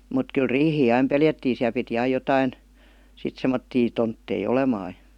mutta kyllä riihiä aina pelättiin siellä piti aina jotakin sitten semmoisia tontteja olemaan ja